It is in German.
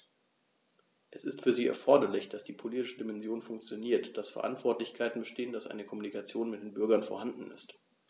Es ist für sie erforderlich, dass die politische Dimension funktioniert, dass Verantwortlichkeiten bestehen, dass eine Kommunikation mit den Bürgern vorhanden ist.